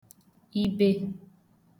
ibe